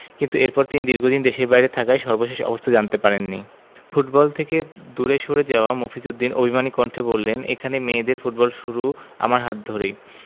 কিন্তু এরপর তিনি দীর্ঘদিন দেশের বাইরে থাকায় সর্বশেষ অবস্থা জানতে পারেননি ফুটবল থেকে দূরে সরে যাওয়া মফিজ উদ্দিন অভিমানী কণ্ঠে বললেন এখানে মেয়েদের ফুটবল শুরু আমার হাত ধরেই